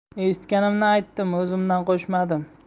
eshitganimni aytdim o'zimdan qo'shmadim